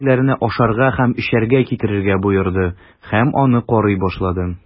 Ганс хезмәтчеләренә ашарга һәм эчәргә китерергә боерды һәм аны карый башлады.